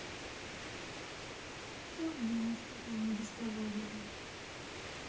давно я с тобой не разговаривал